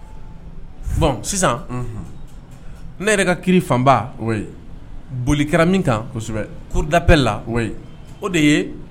Sisan ne yɛrɛ ka ki fanba boli kɛra min kan kosɛbɛdap la o de